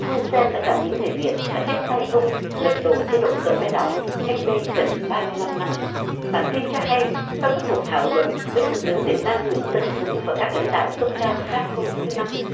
hun sen đã gặp những người việt đã tiếp tay ông lật đổ chế độ khờ me đỏ cách đây gần ba mươi lăm năm bản tin cho hay sau các cuộc thảo luận với thủ tướng việt nam nguyễn tấn dũng và các lãnh đạo cấp cao khác hôm thứ năm